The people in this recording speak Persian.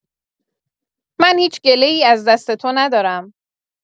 من هیچ گله‌ای از دست تو ندارم